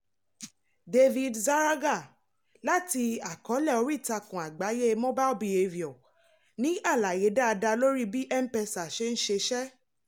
David Zarraga, láti àkọọ́lẹ̀ oríìtakùn àgbáyé Mobile Behavior ní àlàyé dáadáa lórí bí M-Pesa ṣe ń ṣiṣẹ́.